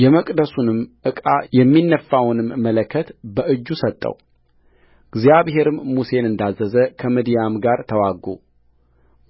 የመቅደሱንም ዕቃ የሚነፋውንም መለከት በእጁ ሰጠውእግዚአብሔርም ሙሴን እንዳዘዘ ከምድያም ጋር ተዋጉ